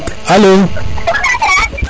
alo